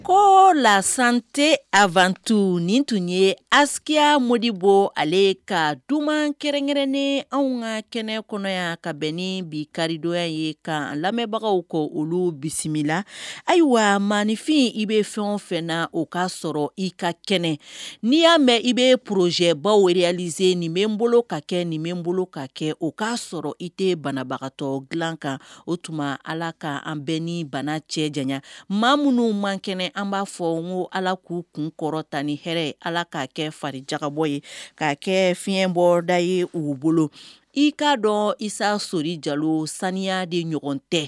Ko la tɛ a mantu nin tun ye akiya mɔdi bɔ ale ka dumunikɛrɛnkɛrɛn ni an ka kɛnɛ kɔnɔya ka bɛn ni bi karidonya ye ka lamɛnbagaw kɔ olu bisimila ayiwa mafin i bɛ fɛn o fɛ na o k ka sɔrɔ i ka kɛnɛ n'i y'a mɛn i bɛ pze baw wyae nin bɛ n bolo ka kɛ nin bolo ka kɛ o k kaa sɔrɔ i tɛ banabagatɔ dilan kan o tuma ala ka an bɛ ni bana cɛ jan maa minnu man kɛnɛ an b'a fɔ n ko ala k'u kun kɔrɔta ni hɛrɛ ye ala k kaa kɛ farijabɔ ye ka kɛ fiɲɛbɔda ye u bolo i k'a dɔn isa sori jalo saniya de ɲɔgɔn tɛ